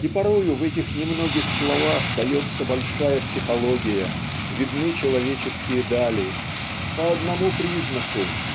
И порою в этих немногих словах дается большая психология видны человеческие дали по одному признаку